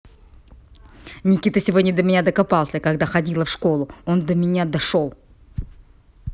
никита сегодня до меня докопался когда ходила в школу он до меня дошел